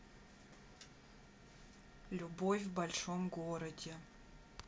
любовь в большом городе